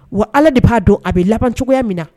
Wa allah de b'a dɔn a bɛ laban cogoya min na.